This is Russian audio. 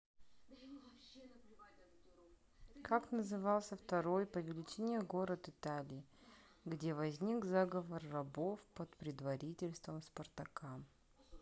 как назывался второй по величине город италии где возник заговор рабов под предводительством спартака